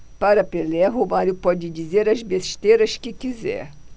para pelé romário pode dizer as besteiras que quiser